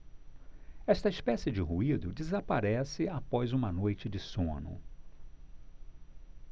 esta espécie de ruído desaparece após uma noite de sono